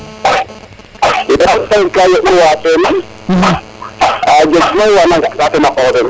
a jeg mayu wana ngaka tena qox den